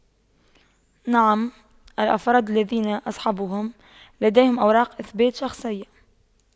نعم الأفراد الذين اصحبهم لديهم أوراق اثبات شخصية